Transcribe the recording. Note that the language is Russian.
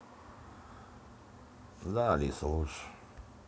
да алиса лучше